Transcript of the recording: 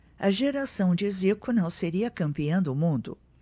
a geração de zico não seria campeã do mundo